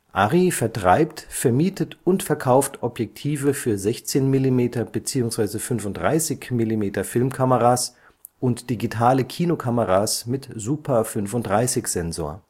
ARRI vertreibt, vermietet und verkauft Objektive für 16-mm -/ 35-mm-Filmkameras und digitale Kinokameras mit Super-35-Sensor